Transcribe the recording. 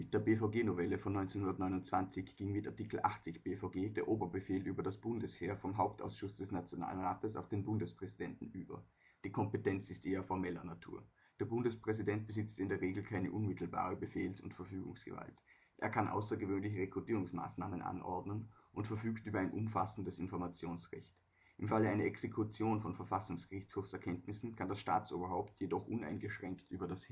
der B-VG-Novelle von 1929 ging mit Art. 80 B-VG der Oberbefehl über das Bundesheer vom Hauptausschuss des Nationalrates auf den Bundespräsidenten über. Die Kompetenz ist eher formeller Natur. Der Bundespräsident besitzt in der Regel keine unmittelbare Befehls - und Verfügungsgewalt. Er kann außergewöhnliche Rekrutierungsmaßnahmen anordnen und verfügt über ein umfassendes Informationsrecht. Im Falle einer Exekution von Verfassungsgerichtshofserkenntnissen kann das Staatsoberhaupt jedoch uneingeschränkt über das